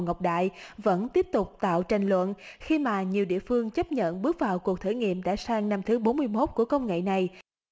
ngọc đại vẫn tiếp tục tạo tranh luận khi mà nhiều địa phương chấp nhận bước vào cuộc thử nghiệm đã sang năm thứ bốn mươi mốt của công nghệ này